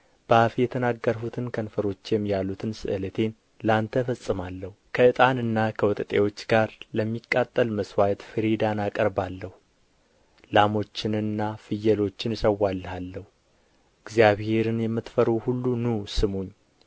በአፌ የተናገርሁትን ከንፈሮቼም ያሉትን ስእለቴን ለአንተ እፈጽማለሁ ከዕጣንና ከወጠጤዎች ጋር ለሚቃጠል መሥዋዕት ፍሪዳን አቀርባለሁ ላሞችንና ፍየሎችን እሠዋልሃለሁ እግዚአብሔርን የምትፈሩት ሁሉ ኑ ስሙኝ